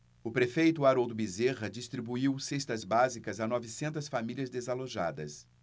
o prefeito haroldo bezerra distribuiu cestas básicas a novecentas famílias desalojadas